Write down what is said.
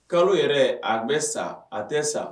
Kalo yɛrɛ a bɛ sa a tɛ sa